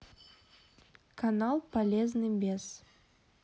канал полезный бес